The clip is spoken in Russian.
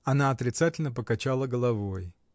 Она отрицательно покачала головой.